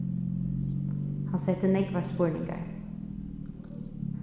hann setti nógvar spurningar